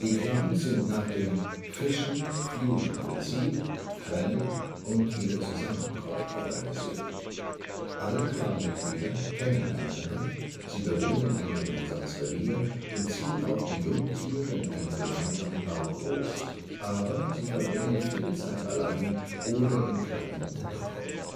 Clans sind nach dem „ Fission-Fusion-Prinzip “(Trennen und wieder Zusammenkommen) organisiert. Alle Clanmitglieder kennen einander, sie bewohnen ein gemeinsames Revier und ziehen auch die Jungtiere in einem gemeinsamen Bau groß, aber sie verbringen viel Zeit allein oder in kleinen Untergruppen